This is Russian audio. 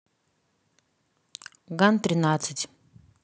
ган тринадцать